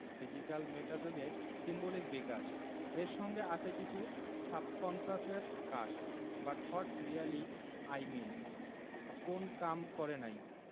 physical meta যোগে symbolic বিকাশ এর সঙ্গে আছে কিছু সাবকন্সাসের কাশ but what really I mean কোন কাম করে নাই